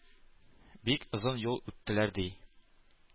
Бик озын юл үттеләр, ди,